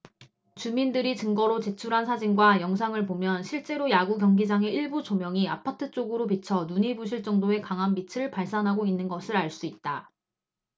주민들이 증거로 제출한 사진과 영상을 보면 실제로 야구경기장의 일부 조명이 아파트 쪽으로 비쳐 눈이 부실 정도의 강한 빛을 발산하고 있는 것을 알 수 있다